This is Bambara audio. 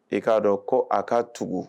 I k'a dɔn ko a ka tugu